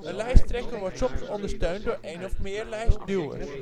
Een lijsttrekker wordt soms ondersteund door één of meer lijstduwers